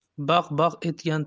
baq baq etgan